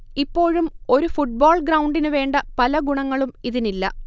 ഇപ്പോഴും ഒരു ഫുട്ബോൾ ഗ്രൗണ്ടിനുവേണ്ട പല ഗുണങ്ങളും ഇതിനില്ല